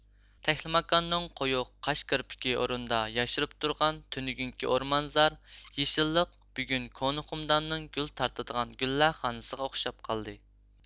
تەكلىماكاننىڭ قويۇق قاش كىرپىكى ئورنىدا ياشىرىپ تۇرغان تۈنۈگۈنكى ئورمانزار يېشىللىق بۈگۈن كونا خۇمداننىڭ كۈل تارتىدىغان گۈلەخخانىسىغا ئوخشاپ قالدى